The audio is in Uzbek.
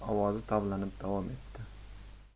da ovozi tovlanib davom etdi